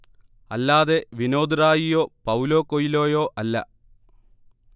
അല്ലാതെ വിനോദ് റായിയോ പൌലോ കൊയ്ലായൊ അല്ല